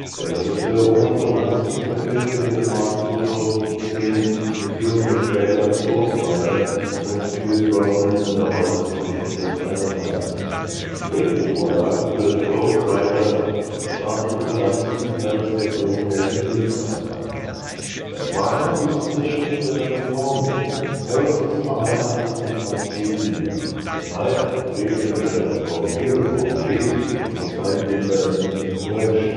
Der Regisseur Roman Polański verfilmte den Roman 2010 mit Ewan McGregor als Ghostwriter und Pierce Brosnan in der Rolle des Politikers Adam Lang. Die Drehbuchvorlage für Der Ghostwriter brachte Polański und Harris den Europäischen Filmpreis ein. Sein Schwager ist der Schriftsteller Nick Hornby. Harris ist verheiratet und hat vier Kinder. Zurzeit lebt er mit seiner Frau Gill Hornby und zwei Kindern in Berkshire